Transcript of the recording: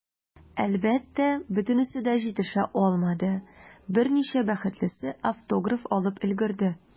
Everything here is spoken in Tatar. Әлбәттә, бөтенесе дә җитешә алмады, берничә бәхетлесе автограф алып өлгерде.